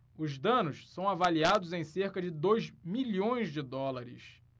os danos são avaliados em cerca de dois milhões de dólares